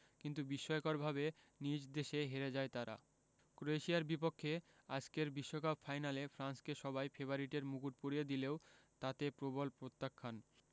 কিন্তু বিস্ময়করভাবে নিজ দেশে হেরে যায় তারা ক্রোয়েশিয়ার বিপক্ষে আজকের বিশ্বকাপ ফাইনালে ফ্রান্সকে সবাই ফেভারিটের মুকুট পরিয়ে দিলেও তাতে প্রবল প্রত্যাখ্যান